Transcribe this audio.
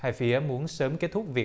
hai phía muốn sớm kết thúc việc